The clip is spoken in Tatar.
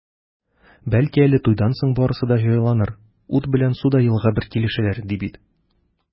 Бәлки әле туйдан соң барысы да җайланыр, ут белән су да елга бер килешәләр, ди бит.